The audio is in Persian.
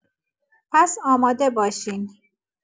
پس آماده باشین.